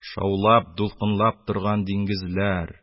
Шаулап дулкынланып торган диңгезләр...